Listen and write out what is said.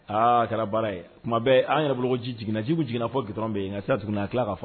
Aaa a kɛra baara ye tuma bɛ an yɛrɛ jiginnaji jiginna fɔ dɔrɔn bɛ yen nka ka se jiginna a tila k ka fɔ